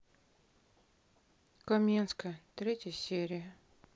каменская третья серия